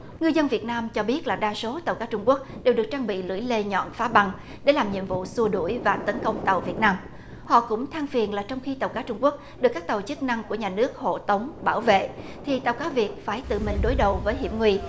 ngư dân việt nam cho biết là đa số tàu cá trung quốc đều được trang bị lưỡi lê nhọn phá băng để làm nhiệm vụ xua đuổi và tấn công tàu việt nam họ cũng than phiền là trong khi tàu cá trung quốc được các tàu chức năng của nhà nước hộ tống bảo vệ thì tàu cá việt phải tự mình đối đầu với hiểm nguy